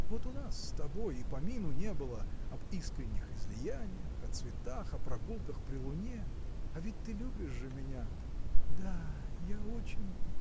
– Вот у нас с тобой и помину не было об искренних излияниях о цветах о прогулках при луне. а ведь ты любишь же меня. – Да, я очень.